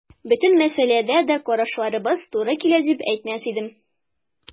Бөтен мәсьәләдә дә карашларыбыз туры килә дип әйтмәс идем.